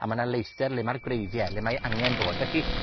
A ma' 'na leithder le ma'r gwreiddie. Le mae angen bod. Felly,